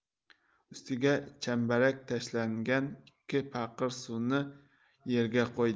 ustiga chambarak tashlangan ikki paqir suvni yerga qo'ydi